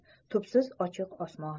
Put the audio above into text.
tubsiz ochiq osmon